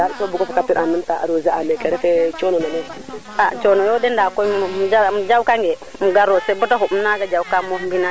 jaɓaxong no goonof fo no simangolof simna fop gidma fopit wasana wiin we to wasan ta Marie Angelique cherie Amdou Marame